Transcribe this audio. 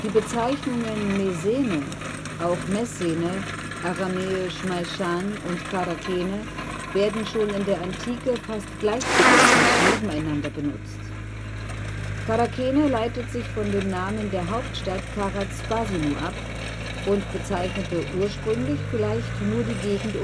Bezeichnungen Mesene (auch Messene, aramäisch Mayshan) und Charakene werden schon in der Antike fast gleichbedeutend nebeneinander benutzt. Charakene leitet sich von dem Namen der Hauptstadt Charax-Spasinu ab und bezeichnete ursprünglich vielleicht nur die Gegend